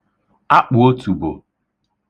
akpụ̀otùbò